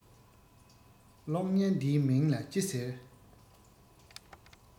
གློག བརྙན འདིའི མིང ལ ཅི ཟེར